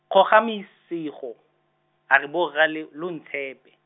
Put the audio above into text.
Kgogamasigo, a re borra le-, lo ntshepe.